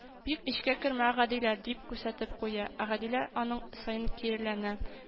– бик эчкә кермә, гадилә, – дип кисәтеп куя. ә гадилә аның саен киреләнә